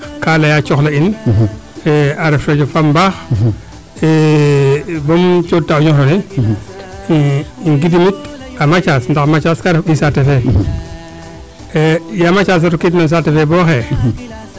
kaa leya coxla in a ref radio faa mbaax bom cooxta o ñuxrole ngidim it a Mathiase ndax Mathiase ka ref o ɓiy saate fee yaa Mathiase a rokiid na saate fe bo xaye